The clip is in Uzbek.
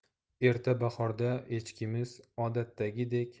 erta bahorda echkimiz odatdagidek ikkita